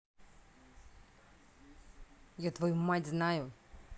я твою мать знаю